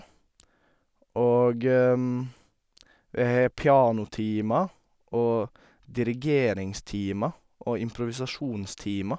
Og vi har pianotimer og dirigeringstimer og improvisasjonstimer.